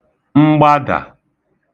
mgbadà